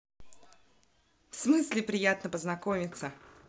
в смысле приятно познакомиться